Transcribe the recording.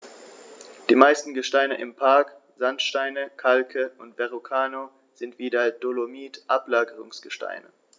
Die meisten Gesteine im Park – Sandsteine, Kalke und Verrucano – sind wie der Dolomit Ablagerungsgesteine.